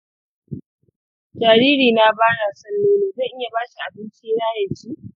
jaririna baya son nono, zan iya ba shi abincina ya ci?